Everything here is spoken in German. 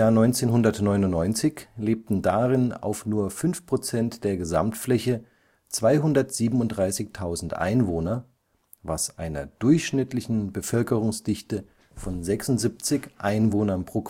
1999 lebten darin auf nur 5 Prozent der Gesamtfläche 237.000 Einwohner, was einer durchschnittlichen Bevölkerungsdichte von 76 Einwohnern pro